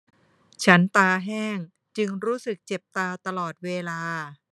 ฉันตาแห้งจึงรู้สึกเจ็บตาตลอดเวลา